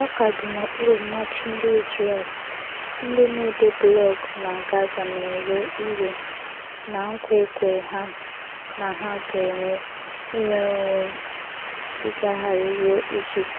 A ka bi n'okpuru mmachi ndị Israel, ndị na-ede blọọgụ na Gaza na-ewe iwe na nkwa ekwere ha na ha ga-enwe inwere onwe ịgagharị ruo Egypt